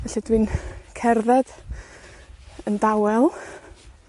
Felly, dwi'n cerdded yn dawel,